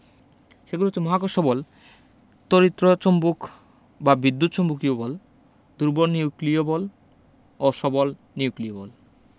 সেগুলো হচ্ছে মহাকর্ষ বল তড়িত্র চম্বুক বা বিদ্যুৎ চম্বুকীয় বল দুর্বল নিউক্লিয় বল ও সবল নিউক্লিয় বল